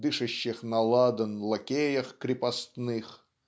дышащих на ладан лакеях-крепостных